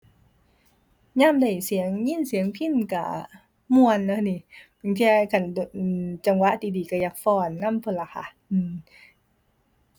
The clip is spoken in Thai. ยามได้เสียงยินเสียงพิณก็ ม่วนเนาะหนิ บางเที่ยคัน อือ จังหวะดีดีก็อยากฟ้อนนำพู้นล่ะค่ะ อือ